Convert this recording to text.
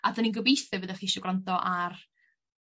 A 'dan ni'n gobeithio fyddach chi isio gwrando ar